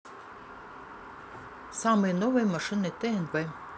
самые новые машины тнв